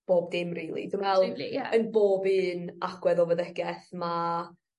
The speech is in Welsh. bob dim rili. Dwi me'wl... Absolutely ie. ...yn bob un agwedd o fyddegeth ma'